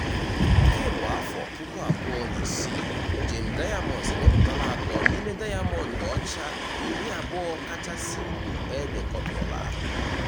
Kemgbe 2006, Gem Diamonds emepụtala atọ n'ịme dayamọndụ ọcha 20 kachasị ibu edekọtụrụla.